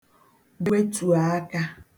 gwetùo akā